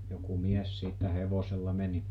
joku mies siitä hevosella meni